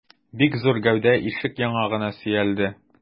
Бик зур гәүдә ишек яңагына сөялде.